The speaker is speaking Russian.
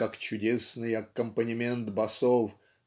как чудесный аккомпанемент басов